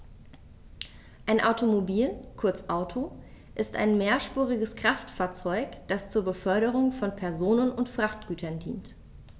Ein Automobil, kurz Auto, ist ein mehrspuriges Kraftfahrzeug, das zur Beförderung von Personen und Frachtgütern dient.